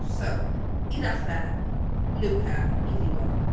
So i ddechrau, Luca, easy one.